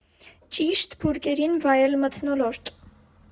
Ճիշտ բուրգերին վայել մթնոլորտ։